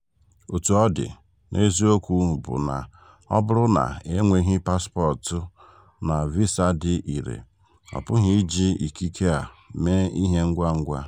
Otú ọ dị, n'eziokwu bụ na ọ bụrụ na e nweghị paspọtụ na visa dị irè, a pụghị iji ikike a mee ihe ngwa ngwa.